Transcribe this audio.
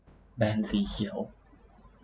แบนสีเขียว